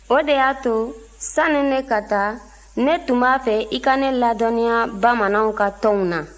o de y'a to sanni ne ka taa ne tun b'a fɛ i ka ne ladɔnniya bamananw ka tɔnw na